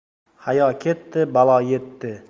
hayo ketdi balo yetdi